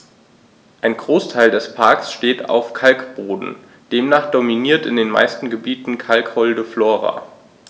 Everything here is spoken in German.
Ein Großteil des Parks steht auf Kalkboden, demnach dominiert in den meisten Gebieten kalkholde Flora.